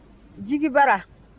jigi bara